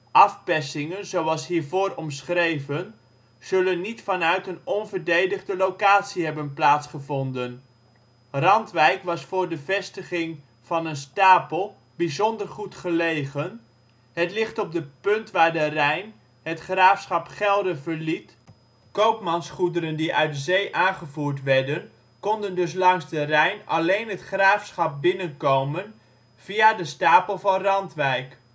Afpersingen zoals hiervoor omschreven, zullen niet vanuit een onverdedigde locatie hebben plaatsgevonden. Randwijk was voor de vestiging van een stapel bijzonder goed gelegen: het ligt op het punt waar de Rijn het graafschap Gelre verliet. Koopmansgoederen die uit zee aangevoerd werden, konden dus langs de Rijn alleen het graafschap binnenkomen via de stapel van Randwijk